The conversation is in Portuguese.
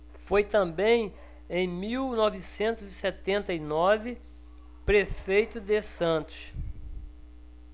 foi também em mil novecentos e setenta e nove prefeito de santos